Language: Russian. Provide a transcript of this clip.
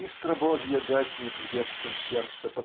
Искра Божья гаснет в детском сердце